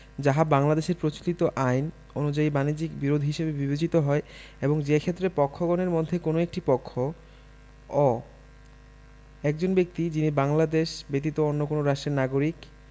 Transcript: সালিস যাহা বাংলাদেশের প্রচলিত আইন অনুযায়ী বাণিজ্যিক বিরোধ হিসাবে বিবেচিত হয় এবং যেক্ষেত্রে পক্ষগণের মধ্যে কোন একটি পক্ষ অ একজন ব্যক্তি যিনি বাংলাদেশ ব্যতীত অন্য কোন রাষ্ট্রের নাগরিক